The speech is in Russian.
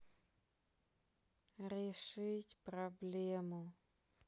решить проблему